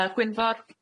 Yy Gwynfor?